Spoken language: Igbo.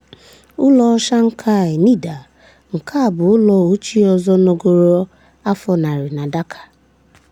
Ụlọ ShankhaNidhi Nke a bụ ụlọ ochie ọzọ nọgoro afọ narị na Dhaka.